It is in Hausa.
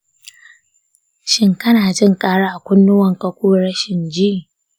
shin kana jin ƙara a kunnuwanka ko rashin ji?